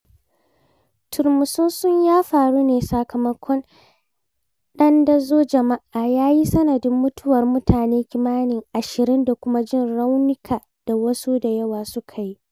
Turmutsutsun ya faru ne sakamakon dandazon jama'a yayi sanadin mutuwar mutane kimanin 20 da kuma jin raunika da wasu da yawa suka yi.